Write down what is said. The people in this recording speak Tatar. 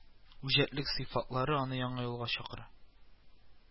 Үҗәтлек сыйфатлары аны яңа юлларга чакыра